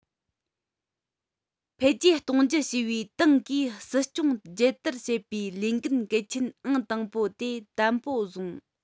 འཕེལ རྒྱས གཏོང རྒྱུ ཞེས པའི ཏང གིས སྲིད སྐྱོང རྒྱལ དར བྱེད པའི ལས འགན གལ ཆེན ཨང དང པོ དེ དམ པོ བཟུང